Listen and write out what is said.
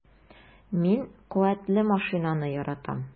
Мин куәтле машинаны яратам.